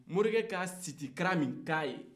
morikɛ ye sitikalan min k'a ye